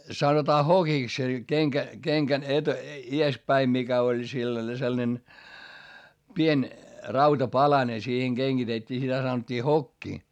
sanotaan hokiksi se kenkä kengän - edes päin mikä oli sellainen sellainen pieni rautapalanen siihen kengitettiin sitä sanottiin hokki